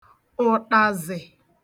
ụ̀ṭàzị̀